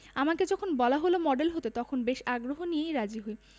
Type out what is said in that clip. আমাকে যখন বলা হলো মডেল হতে তখন বেশ আগ্রহ নিয়েই রাজি হই